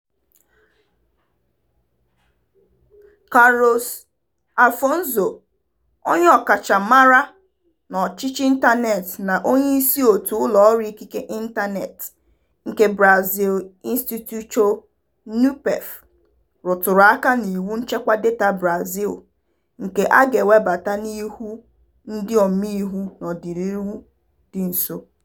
Carlos Afonso, onye ọkachamara n'ọchịchị ịntaneetị na onyeisi òtù ụlọọrụ ikike ịntaneetị nke Brazil Instituto Nupef, rụtụrụ aka n'Iwu Nchekwa Data Brazil, nke a ga-ewebata n'ihu Ndị Omeiwu n'ọdịnihu dị nso.